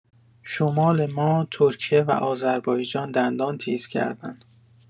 شمال ما ترکیه و آذربایجان دندان تیز کردن